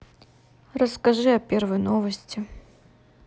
расскажи о первой новости